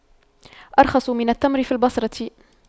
أرخص من التمر في البصرة